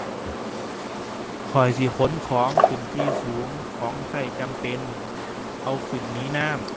ข้อยสิขนของขึ้นที่สูง ของใช้จำเป็นเอาขึ้นหนีน้ำ